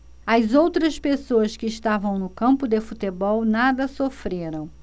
as outras pessoas que estavam no campo de futebol nada sofreram